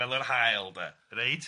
fel yr haul de. Reit.